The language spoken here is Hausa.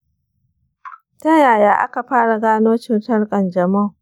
ta yaya aka fara gano cutar kanjamau?